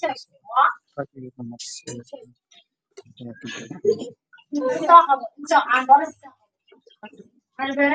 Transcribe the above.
cadaan ah waxaa sidoo kale yaalo kuraas cadaan ah